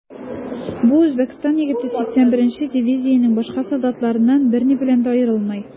Бу Үзбәкстан егете 81 нче дивизиянең башка солдатларыннан берни белән дә аерылмый.